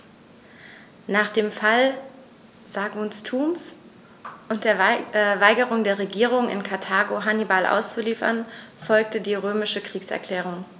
Nach dem Fall Saguntums und der Weigerung der Regierung in Karthago, Hannibal auszuliefern, folgte die römische Kriegserklärung.